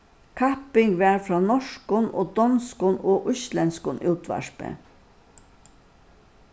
kapping var frá norskum og donskum og íslendskum útvarpi